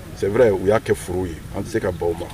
Sɛ ye u y'a kɛ furu ye an tɛ se ka baw ma